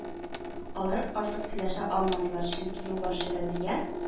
Алар артык сөйләшә алмадылар, чөнки юлбашчы Разия: